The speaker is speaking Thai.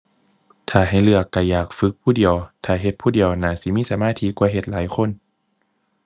ถ้าให้เลือกก็อยากฝึกผู้เดียว ถ้าเฮ็ดผู้เดียวน่าสิมีสมาธิกว่าเฮ็ดหลายคน